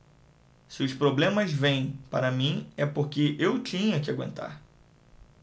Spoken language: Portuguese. se os problemas vêm para mim é porque eu tinha que aguentar